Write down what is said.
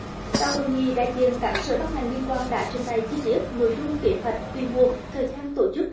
tại hội nghị đại diện các sở ban ngành liên quan đã trình bày chi tiết nội dung kế hoạch quy mô thời gian tổ chức